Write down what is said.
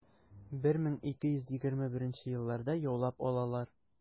1221 елларда яулап алалар.